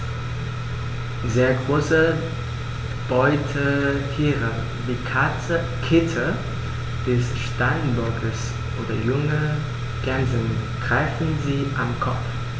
Sehr große Beutetiere wie Kitze des Steinbocks oder junge Gämsen greifen sie am Kopf.